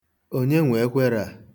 Onye nwe ekwere a?